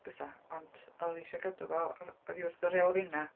Bysa ond odd isio gadw fo oddi wrth yr elfennau.